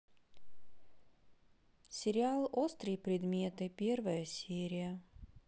сериал острые предметы первая серия